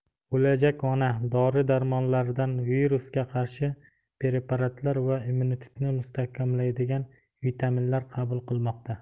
bo'lajak ona dori darmonlardan virusga qarshi preparatlar va immunitetni mustahkamlaydigan vitaminlar qabul qilmoqda